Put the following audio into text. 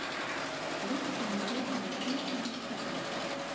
русская народная песня кадриль